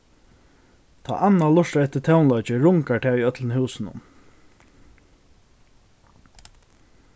tá anna lurtar eftir tónleiki rungar tað í øllum húsinum